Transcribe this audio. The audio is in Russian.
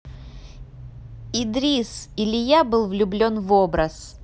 idris или я был влюблен в образ